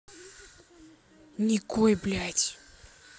никой блядь